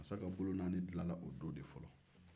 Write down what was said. masa ka bolonaani dilara o don de fɔlɔ